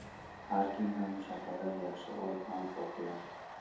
har kim ham chaqilar yaxshi ot ham qoqilar